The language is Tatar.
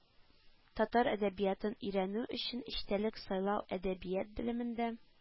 Татар əдəбиятын өйрəнү өчен эчтəлек сайлау əдəбият белемендə